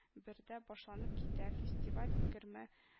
Бердә башланып китә. фестиваль егереме